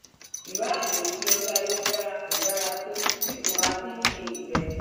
Ìráàyèsí orí Ayélujára kò dára tó bí kò bá sí ní èdè rẹ!